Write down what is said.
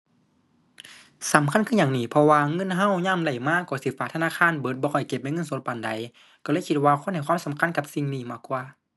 สำคัญคือหยังหนิ เพราะว่าเงินเรายามได้มาก็สิฝากธนาคารเบิด บ่ค่อยเก็บเป็นเงินสดปานใด ก็เลยคิดว่าควรให้ความสำคัญกับสิ่งนี้มากกว่า